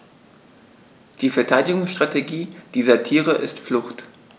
Die Verteidigungsstrategie dieser Tiere ist Flucht.